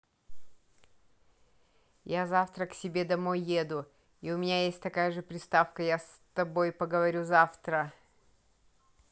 я завтра к себе домой еду и у меня есть такая же приставка я с тобой поговорю завтра